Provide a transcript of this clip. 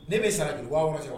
Ne b'e sara joli 6000 tɛ wa